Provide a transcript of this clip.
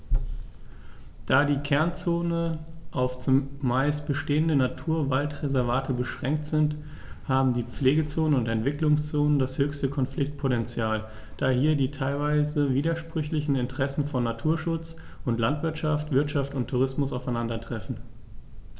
Da die Kernzonen auf – zumeist bestehende – Naturwaldreservate beschränkt sind, haben die Pflegezonen und Entwicklungszonen das höchste Konfliktpotential, da hier die teilweise widersprüchlichen Interessen von Naturschutz und Landwirtschaft, Wirtschaft und Tourismus aufeinandertreffen.